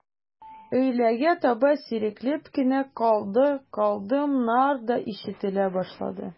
Өйләгә таба сирәкләп кенә «калды», «калдым»нар да ишетелә башлады.